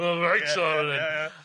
O reit o then. Ie ie.